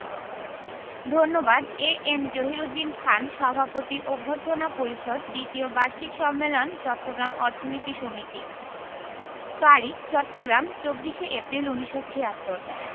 ধন্যবাদ A M Jahiruddin Khan সভাপতি অভ্যর্থনা পরিষদ দ্বিতীয় বার্ষিক সম্মেলন চট্টগ্রাম অর্থনীতি সমিতি তারিখ চট্টগ্রাম ২৪শে এপ্রিল ১৯৭৬